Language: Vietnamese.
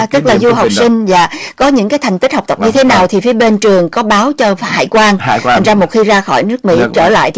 à tức là du học sinh dạ có những cái thành tích học tập như thế nào thì phía bên trường có báo cho hải quan thành ra một khi ra khỏi nước mỹ trở lại